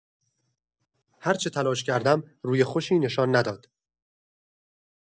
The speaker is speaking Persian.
هر چه تلاش کردم، روی خوشی نشان نداد.